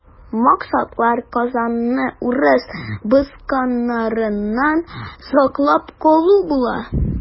Максатлары Казанны урыс баскыннарыннан саклап калу була.